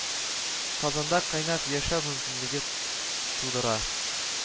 Казанында кайнап яшәү мөмкинлеген тудыра